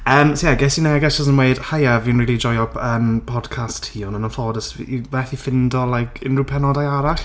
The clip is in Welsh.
Yym so ie, ges i neges jyst yn weud, "Haia, fi'n really joio p- yym podcast ti ond yn anffodus fi i- methu ffeindio like unrhyw penodau arall."